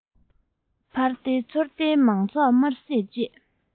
ཕར དེད ཚུར དེད མང ཚོགས དམར ཟས བཅད